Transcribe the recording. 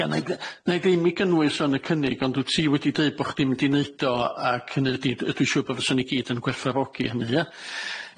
Ia na'i d- na'i ddim i gynnwys o yn y cynnig ond wt ti wedi deud bo' chdi mynd i neud o ac hynny ydi yy dwi siŵr bo- fyswn ni gyd yn gwerthfawrogi hynny ia?